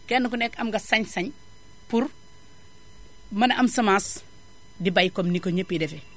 kenn ku nekk am nga sañ-sañ pour mën a am semence di bay comme ni ko ñëppiy defee